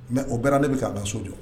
Mɛ o bɛɛ ale bɛ kaa da so jɔ